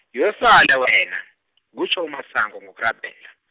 yosale wena, kutjho uMasango ngokurabhela.